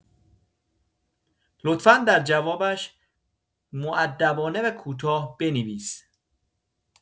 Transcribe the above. لطفا در جوابش مؤدبانه و کوتاه بنویس